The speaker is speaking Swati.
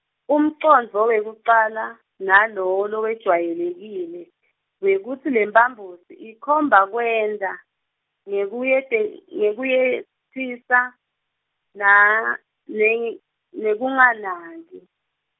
umcondvo wekucala, nalowo lojwayelekile, wekutsi lemphambosi ikhomba kwenta, ngekuyete-, ngekuyetsisa, na, neng- nekunganaki.